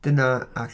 Dyna arc...